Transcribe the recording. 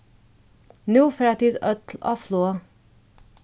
nú fara tit øll á flog